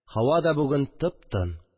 Һава да бүген тып-тын